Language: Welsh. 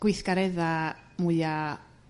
gweithgaredda' mwya'